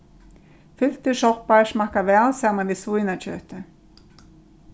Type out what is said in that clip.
fyltir soppar smakka væl saman við svínakjøti